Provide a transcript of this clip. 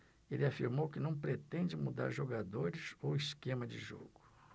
ele afirmou que não pretende mudar jogadores ou esquema de jogo